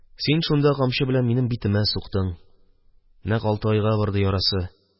Син шунда камчы белән минем битемә суктың, нәкъ алты айга барды ярасы.